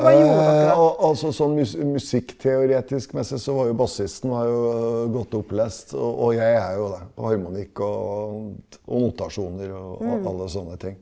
altså sånn musikkteoretiskmessig så var jo bassisten var jo godt opplest og og jeg er jo det på harmonikk og og notasjoner og alle sånne ting.